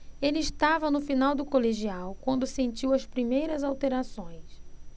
ele estava no final do colegial quando sentiu as primeiras alterações